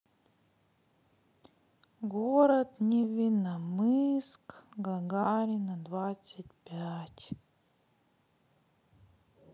город невинномысск гагарина двадцать пять